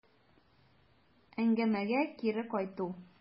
Әңгәмәгә кире кайту.